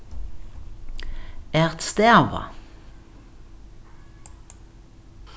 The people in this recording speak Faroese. at stava